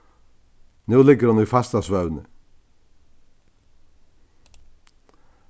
nú liggur hon í fasta svøvni